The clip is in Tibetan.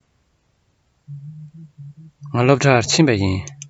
ང སློབ གྲྭར ཕྱིན པ ཡིན